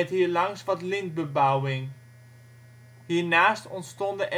hierlangs wat lintbebouwing. Hiernaast ontstonden